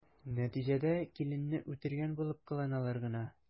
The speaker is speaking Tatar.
Нәтиҗәдә киленне үтергән булып кыланалар гына.